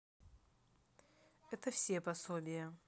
это все пособия